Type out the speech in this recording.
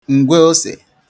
ngweosè